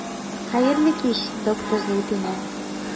Хәерле кич, доктор Зәйтүнә.